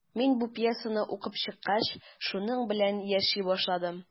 Мин бу пьесаны укып чыккач, шуның белән яши башладым.